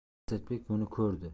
asadbek buni ko'rdi